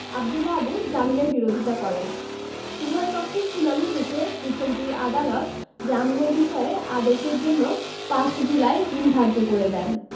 আব্দুল্লাহ আবু জামিনের বিরোধিতা করেন উভয়পক্ষের শুনানি শেষে পৃথক দুই আদালত জামিনের বিষয়ে আদেশের জন্য ৫ জুলাই দিন ধার্য করে দেন